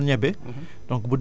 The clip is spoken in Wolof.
ci même place bi nga bayoon ñebe